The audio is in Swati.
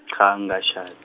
cha angikashad-.